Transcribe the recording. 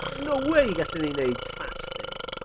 No way gallwn i neud fasting!